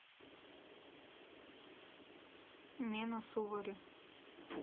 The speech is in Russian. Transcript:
мена сувари